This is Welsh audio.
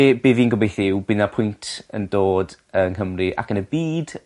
Be' be' fi'n gobeithio yw by' 'na pwynt yn dod yng Nghymru ac yn y byd